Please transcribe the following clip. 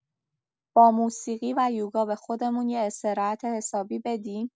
با موسیقی و یوگا به خودمون یه استراحت حسابی بدیم؟